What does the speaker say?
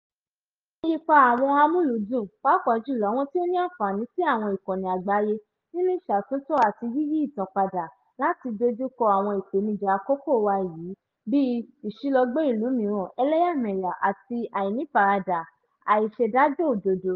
Kí ni ipa àwọn amúlùúdùn, pàápàá jùlọ àwọn tí ó ní àǹfààní sí àwọn ìkànì àgbáyé nínú ìṣàtúnt̀o àti yíyí ìtàn padà láti dojúkọ àwọn ìpènijà àkókò wa yìí, bí i ìṣílọgbé ìlú mìíràn, ẹlẹ́yàmẹ̀yà àti àìnífarada/àìṣèdájọ́-òdodo.